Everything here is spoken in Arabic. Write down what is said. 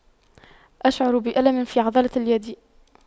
أشعر بألم في عضلة اليدي